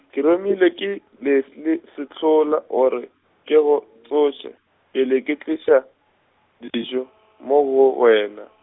ke romilwe ke Leslie Sehlola gore ke go tsoše, pele ke tliša, dijo, moo go wena.